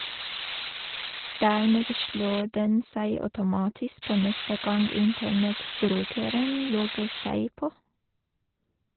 Dermed slår den seg automatisk på neste gang internettbrukeren logger seg på.